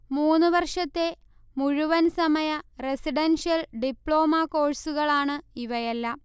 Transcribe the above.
മൂന്നുവർഷത്തെ മുഴുവൻ സമയ residential diploma കോഴ്സുകളാണ് ഇവയെല്ലാം